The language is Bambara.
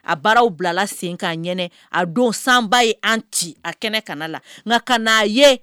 A baararaw bila la sen kan n ɲɛna a don sanba ye an ci a kɛnɛ kana la nka ka n'a ye